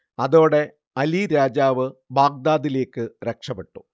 അതോടെ അലി രാജാവ് ബാഗ്ദാദിലേക്ക് രക്ഷപെട്ടു